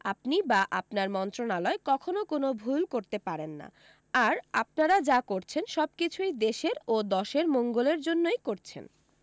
আপনি বা আপনার মন্ত্রণালয় কখনো কোনো ভুল করতে পারেন না আর আপনারা যা করছেন সবকিছুই দেশের ও দশের মঙ্গলের জন্যই করছেন